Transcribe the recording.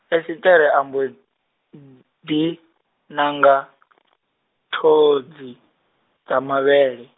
Esiṱere a mbo n-, di na nga , ṱhodzi, dza mavhele.